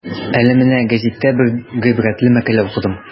Әле менә гәзиттә бер гыйбрәтле мәкалә укыдым.